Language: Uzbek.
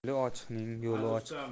ko'ngli ochiqning yo'li ochiq